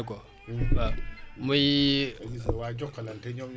gis nga waa Jokalante ñoom ñoo may woo nii xam naa météo bi lay doon